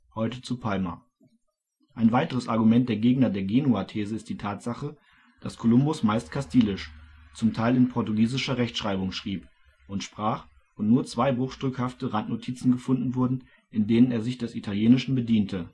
heute zu Palma). Ein weiteres Argument der Gegner der Genua-These ist die Tatsache, dass Kolumbus meist Kastilisch z.T. in portugiesischer Rechtschreibung schrieb und sprach und nur zwei bruchstückhafte Randnotizen gefunden wurden, in denen er sich des Italienischen bediente